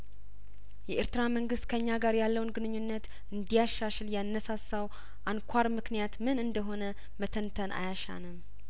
የኤርትራ መንግስት ከኛ ጋር ያለውን ግንኙነት እንዲያሻሽል ያነሳሳው አንኳር ምክንያት ምን እንደሆነ መተንተን አያሻንም